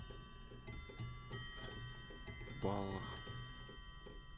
в баллах